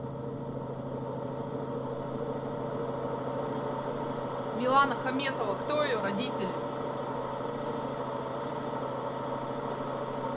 милана хаметова кто ее родители